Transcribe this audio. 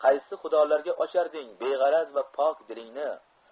qaysi xudolarga ocharding beg'araz va pok dilingni